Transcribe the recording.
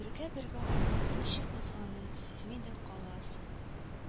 Бергә-бергә аның ничек узганын сизми дә каласың